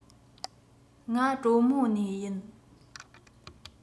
ང གྲོ མོ ནས ཡིན